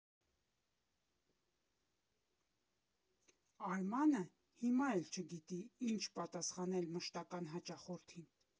Արմանը հիմա էլ չգիտի ինչ պատասխանել մշտական հաճախորդին։